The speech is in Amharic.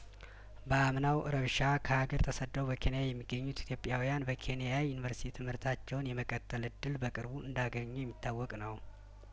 በአምናው እረብሻ ከሀገር ተሰደው በኬንያ የሚገኙት ኢትዮጵያውያን በኬንያ ዩኒቨርሲቲ ትምህርታቸውን የመቀጠል እድል በቅርቡ እንዳገኙ የሚታወቅ ነው